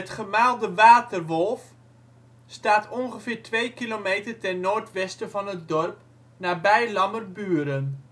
gemaal De Waterwolf staat ongeveer 2 kilometer ten noordwesten van het dorp, nabij Lammerburen